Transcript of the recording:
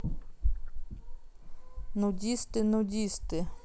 нудисты нудисты